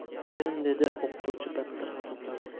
kim dedi o'qituvchi battar g'azablanib